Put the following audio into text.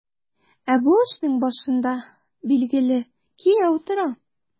Ә бу эшнең башында, билгеле, кияү тора.